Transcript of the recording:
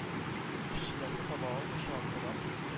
Эшчеләрне таба алмыйча, аптырап,